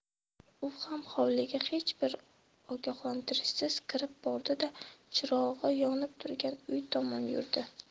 u ham hovliga hech bir ogohlantirishsiz kirib bordi da chirog'i yonib turgan uy tomon yurdi